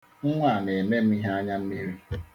Nwa a na-eme m ihe anyammiri.